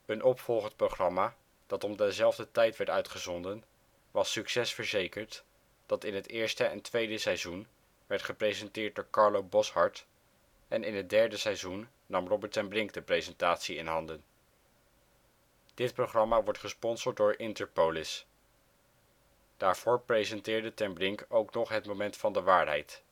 Een opvolgend programma om dat om dezelfde tijd werd uitgezonden was Succes Verzekerd dat in het eerste en tweede seizoen werd gepresenteerd door Carlo Boszhard, in het derde seizoen nam Robert ten Brink de presentatie in handen. Dit programma werd gesponsord door: Interpolis. Daarvoor presenteerde hij ook nog Het Moment Van De Waarheid